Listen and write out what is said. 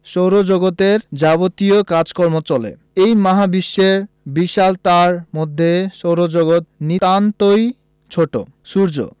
সৌরজগতের যাবতীয় কাজকর্ম চলে এই মহাবিশ্বের বিশালতার মধ্যে সৌরজগৎ নিতান্তই ছোট সূর্য